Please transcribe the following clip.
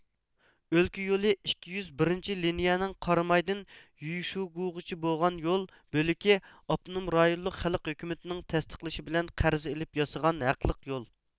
ئۆلكە يولى ئىككى يۈز بىرىنچى لىنىيىسىنىڭ قارامايدىن يۈيشۇگۇغىچە بولغان يول بۆلىكى ئاپتونوم رايونلۇق خەلق ھۆكۈمىتىنىڭ تەستىقلىشى بىلەن قەرز ئېلىپ ياسىغان ھەقلىق يول